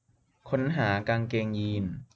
ค้นหากางเกงยีน